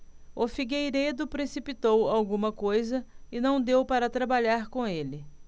o figueiredo precipitou alguma coisa e não deu para trabalhar com ele